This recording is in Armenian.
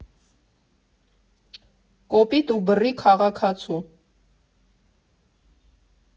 Կոպիտ և բռի քաղաքացու։